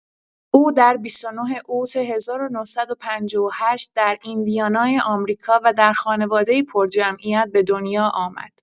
او در ۲۹ اوت ۱۹۵۸ در ایندیانا آمریکا و در خانواده‌ای پرجمعیت به دنیا آمد.